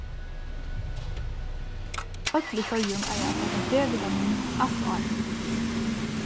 øll í føroyum eiga at taka d-vitamin alt árið